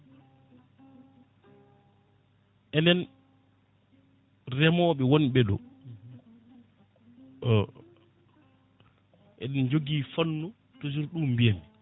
enen remoɓe wonɓe ɗo eɗen jogui fannu toujours ɗum mbiyanmi